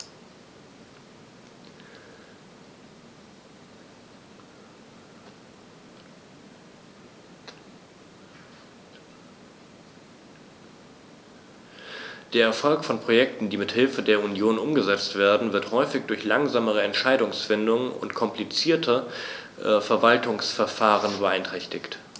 Der Erfolg von Projekten, die mit Hilfe der Union umgesetzt werden, wird häufig durch langsame Entscheidungsfindung und komplizierte Verwaltungsverfahren beeinträchtigt.